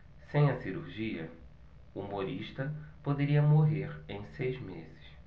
sem a cirurgia humorista poderia morrer em seis meses